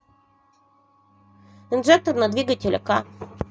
инжектор на двигатель ака